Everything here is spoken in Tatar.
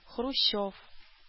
Хрущев